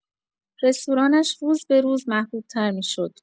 رستورانش روزبه‌روز محبوب‌تر می‌شد.